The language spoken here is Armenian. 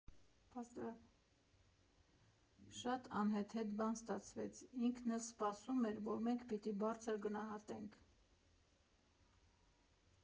Շատ անհեթեթ բան ստացվեց, ինքն էլ սպասում էր, որ մենք պիտի բարձր գնահատենք։